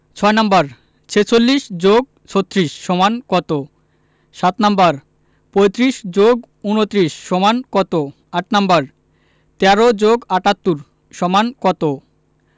৬নাম্বার ৪৬ + ৩৬ = কত ৭নাম্বার ৩৫ + ২৯ = কত ৮নাম্বার ১৩ + ৭৮ = কত